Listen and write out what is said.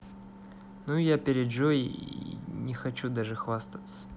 ну я перед джой не хочу даже хвастаться